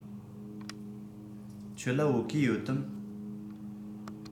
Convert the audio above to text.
ཁྱོད ལ བོད གོས ཡོད དམ